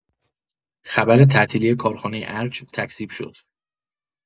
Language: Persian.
خبر تعطیلی کارخانه ارج تکذیب شد!